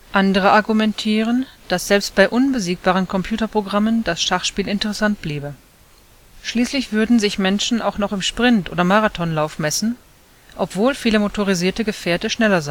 Andere argumentieren, dass selbst bei unbesiegbaren Computerprogrammen das Schachspiel interessant bliebe – schließlich würden sich Menschen auch noch im Sprint oder Marathonlauf messen, obwohl viele motorisierte Gefährte schneller